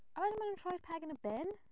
A wedyn mae nhw'n rhoi'r peg yn y bin.